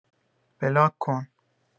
بلاک کن